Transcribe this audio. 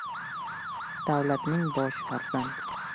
davlatning boshi farzand